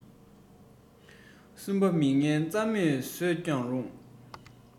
གསུམ པ མི ངན རྩ མེད བཟོས ཀྱང རུང